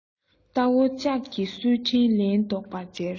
རྟ བོ ལྕགས གིས གསོས དྲིན ལན རྡོག པས འཇལ